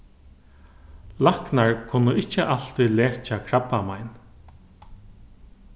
læknar kunnu ikki altíð lekja krabbamein